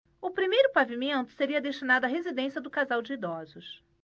o primeiro pavimento seria destinado à residência do casal de idosos